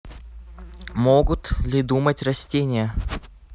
могут ли думать растения